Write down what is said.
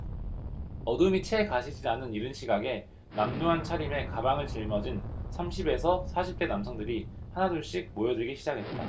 어둠이 채 가시지 않은 이른 시각에 남루한 차림에 가방을 짊어진 삼십 에서 사십 대 남성들이 하나둘씩 모여들기 시작했다